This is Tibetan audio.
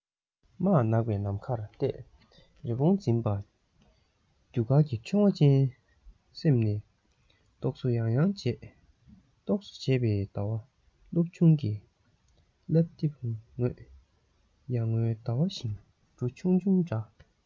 སྨག ནག པའི ནམ མཁར བལྟས རི བོང འཛིན པ རྒྱུ སྐར གྱི ཕྲེང བ ཅན སེམས ནས རྟོག བཟོ ཡང ཡང བྱས རྟོག བཟོ བྱས པའི ཟླ བ སློབ ཆུང གི བསླབ དེབ ངོས ཡར ངོའི ཟླ བ ཤིང གྲུ ཆུང ཆུང འདྲ